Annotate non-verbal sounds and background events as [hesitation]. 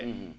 [hesitation] [hesitation]